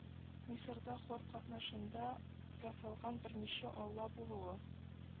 Мисырда Хор катнашында ясалган берничә алла булуы